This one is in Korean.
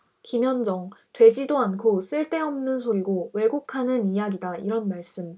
김현정 되지도 않고 쓸데없는 소리고 왜곡하는 이야기다 이런 말씀